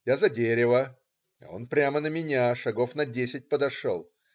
Я за дерево - он прямо на меня, шагов на десять подошел.